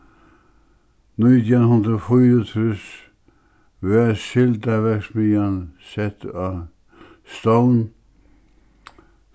nítjan hundrað og fýraogtrýss varð sildaverksmiðjan sett á stovn